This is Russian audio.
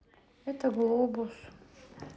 это глобус